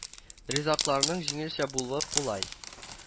Ризакларның җиңелчә булуы кулай